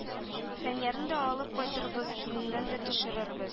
Фәниярны да алып кайтырбыз киленен дә төшерербез